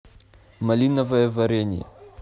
малиновое варенье